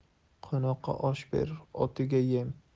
qo'noqqa osh ber otiga yem